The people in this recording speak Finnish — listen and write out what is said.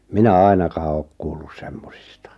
minä ainakaan ole kuullut semmoisista